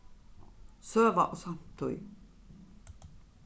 søga og samtíð